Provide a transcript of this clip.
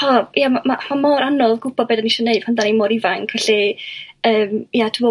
o ia ma' mor anodd gw'bod be 'da ni isio neud pan 'da ni mor ifanc felly yym ia dwi me'l